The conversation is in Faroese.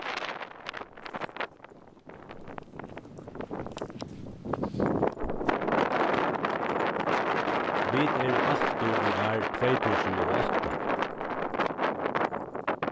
vit eru aftur í ár tvey túsund og átta